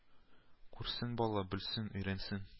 Күрсен бала, белсен, өйрәнсен